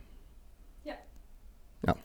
Ja.